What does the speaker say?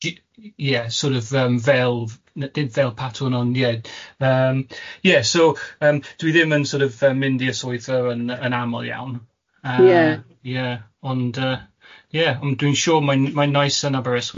j-j-j ie sort of yym fel ni- nid fel patwrn ond ie, yym, ie so, fel yym, dwi ddim yn sort of mynd i'r swyddfa yn amal iawn, yym... Ie. ...ond yy ie, dwi'n siwr mae'n nais yn Aberystwyth